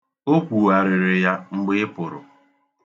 O kwugharịrị ya mgbe ị pụrụ.